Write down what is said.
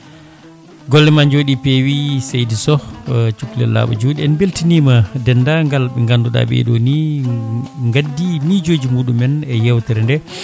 gollema jooɗi peewi seydi Sow cukalel laaɓa juuɗe en beltanima dendagal ɓe ganduɗa ɓeeɗo ni gaddi miijoji muɗumen e yewtere nde